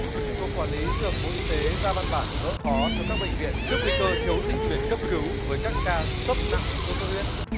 quản lý dược bộ y tế ra văn bản gỡ khó cho các bệnh viện trước nguy cơ thiếu dịch chuyển cấp cứu với các ca sốc nặng sốt xuất huyết